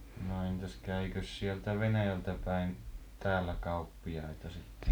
no entäs kävikös sieltä Venäjältä päin täällä kauppiaita sitten